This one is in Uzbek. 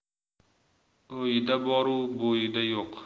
o'yida bor u bo'yida yo'q